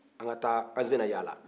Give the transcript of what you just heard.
an ka taa an senna yala